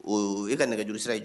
Ɔ e ka nɛgɛuru sira